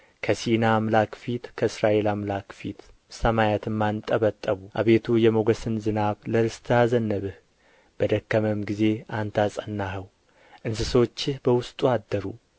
ከሲና አምላክ ፊት ከእስራኤል አምላክ ፊት ሰማያትም አንጠበጠቡ አቤቱ የሞገስን ዝናብ ለርስትህ አዘነብህ በደከመም ጊዜ አንተ አጸናኸው እንስሶችህ በውስጡ አደሩ